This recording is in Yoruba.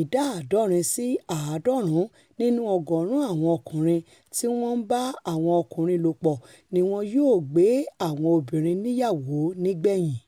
ìdà àádọrin sí àádọ́ọ̀rún nínú ọgọ́ọ̀rún àwọn ọkùnrin tí wọ́n ńbá àwọn ọkùnrin lòpọ̀ ni wọn yóò gbé àwọn obìnrin níyàwo nígbẹ̀yìn.